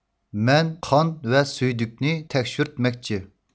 مەن قان ۋە سۈيدۈكنى تەكشۈرتمەكچى